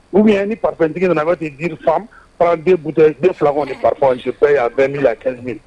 Ou bien ni parfum tigi nana d'une femme prend 2 bouteilles 2 flacons de parfum je paie à 20.000 à 15.000